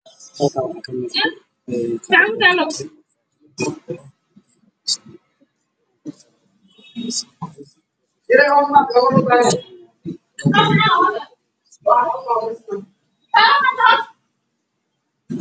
Halkaan waxaa ka muuqdo qaro la jar jaray midabka qaraha waa guduud iyo madaw qolofkana waa cagaar